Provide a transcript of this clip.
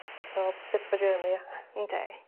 ...so bit of a journey ia? Yndi.